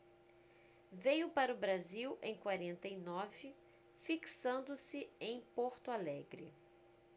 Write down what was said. veio para o brasil em quarenta e nove fixando-se em porto alegre